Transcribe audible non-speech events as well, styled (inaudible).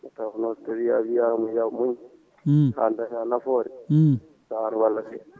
nde tawno tawi a wiima ya muuñ (smacks lips) ha daaña nafoore (smacks lips) ko an wallate